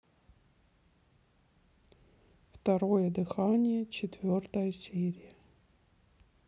второе дыхание четвертая серия